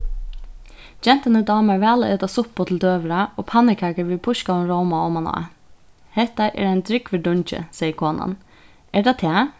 gentuni dámar væl at eta suppu til døgurða og pannukakur við pískaðum róma omaná hetta er ein drúgvur dungi segði konan er tað tað